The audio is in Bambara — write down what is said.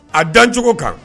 A dan coko kan.